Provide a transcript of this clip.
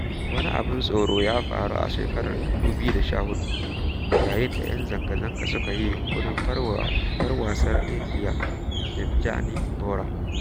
Wani abin tsoro ya faru a shekarar 2014 yayin da ''yan zanga-zanga suka yi yunƙurin far wa 'yar wasan ƙasar Indiya, Debjani Bora.